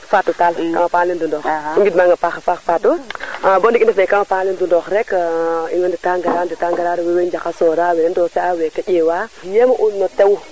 Fatou Tall no pana le Ndoundokh ngid mang a paxa paax Fatou b o ndiik i ndef meeke kama paana le ɗundoox reke in way ndeta ngara ndeta ngara rewe njaxasora weke ɗose a weke ƴewa tig yeeme u no tew